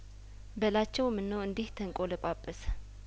በላቸው ምነው እንዲህ ተንቆለጳጰሰ